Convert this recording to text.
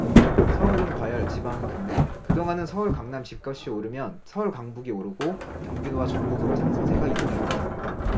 서울은 과열 지방은 급랭그동안은 서울 강남 집값이 오르면 서울 강북이 오르고 경기도와 전국으로 상승세가 이동해갔다